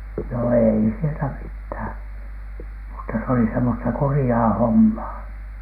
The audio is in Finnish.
no ei sieltä mitään mutta se oli semmoista kurjaa hommaa